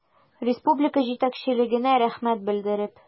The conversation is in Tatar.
Республика җитәкчелегенә рәхмәт белдереп.